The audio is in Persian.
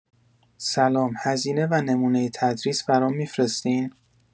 سلام هزینه و نمونه تدریس برام می‌فرستین؟